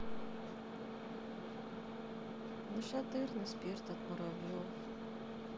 нашатырный спирт от муравьев